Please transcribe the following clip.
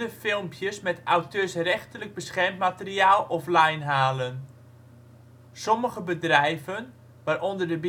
filmpjes met auteursrechtelijk beschermd materiaal offline halen. Sommige bedrijven, waaronder de